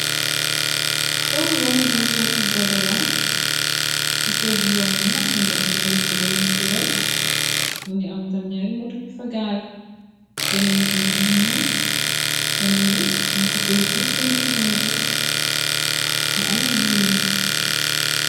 Kow yoon buñ sotti godorom, ci pégg yoon bi nak mu ngi am ñaari pono yuñ tëral, mu ngi am tam ñaari motu yu fagaare, benn motu yi mu ngi ñuur, beneen bi nim ko pentiir pentiir bu nete, mu am lu giriin.